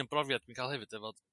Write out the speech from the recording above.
yn brofiad dwi'n ca'l hefyd efo